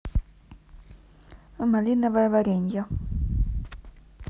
малиновое варенье